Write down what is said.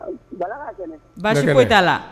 Baasi t'a la